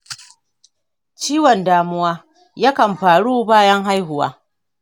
ciwon damuwa ya kan faru bayan haihuwa.